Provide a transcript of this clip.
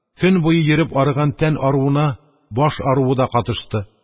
Көн буе йөреп арыган тән аруына баш аруы да катышты.